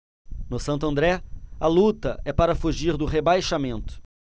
no santo andré a luta é para fugir do rebaixamento